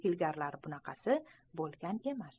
ilgarilari bunaqasi bo'lgan emas